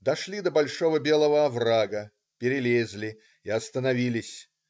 Дошли до большого белого оврага, перелезли и остановились.